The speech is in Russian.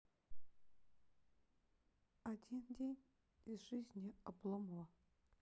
один день из жизни обломова